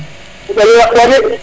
oxey yaq wa de